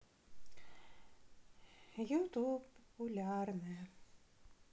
ютуб популярное